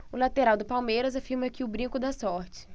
o lateral do palmeiras afirma que o brinco dá sorte